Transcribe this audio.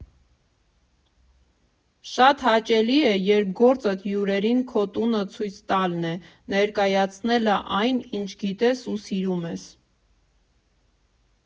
Շատ հաճելի է, երբ գործդ հյուրերին քո տունը ցույց տալն է, ներկայացնելը այն, ինչ գիտես ու սիրում ես։